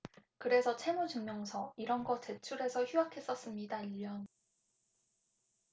그래서 채무증명서 이런 거 제출해서 휴학했었습니다 일 년